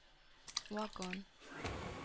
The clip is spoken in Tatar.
Вагон